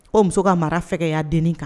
O muso ka mara fɛkɛya denin kan